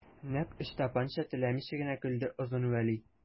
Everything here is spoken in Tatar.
Нәкъ Ычтапанча теләмичә генә көлде Озын Вәли.